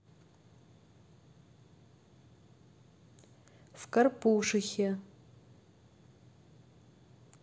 в карпушихе